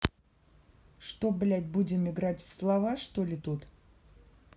что блядь будем играть в слова что ли тут